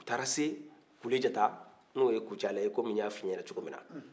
u taa se kulejata n'o ye kucala ye kɔmi n y'a f'i ɲɛna